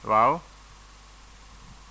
waaw